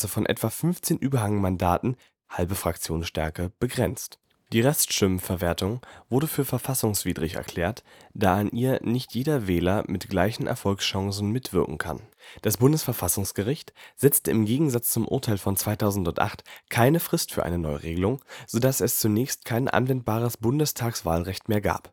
von etwa 15 Überhangmandaten “(halbe Fraktionsstärke) begrenzt. Die Reststimmenverwertung wurde für verfassungswidrig erklärt, da an ihr „ nicht jeder Wähler mit gleichen Erfolgschancen mitwirken kann. “Das Bundesverfassungsgericht setzte im Gegensatz zum Urteil von 2008 keine Frist für eine Neuregelung, so dass es zunächst kein anwendbares Bundestagswahlrecht mehr gab